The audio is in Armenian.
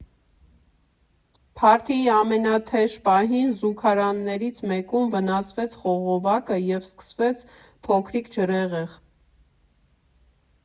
Փարթիի ամենաթեժ պահին՝ զուգարաններից մեկում վնասվեց խողովակը և սկսվեց փոքրիկ ջրհեղեղ։